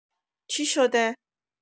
چی شده